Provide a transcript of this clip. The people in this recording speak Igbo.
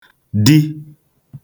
di